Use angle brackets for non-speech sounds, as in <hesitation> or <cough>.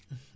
<hesitation>